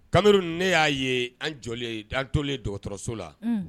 Kamalenmeri ne y'a ye an jɔ dan antolen dɔgɔtɔrɔso la